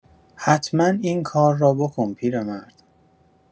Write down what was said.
حتما این کار را بکن پیرمرد.